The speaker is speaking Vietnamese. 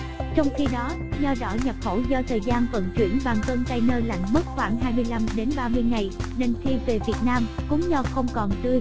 nho đỏ nhập khẩu do thời gian vận chuyển bằng container lạnh mất khoảng ngày nên khi về việt nam cuống nho không còn tươi và xanh nữa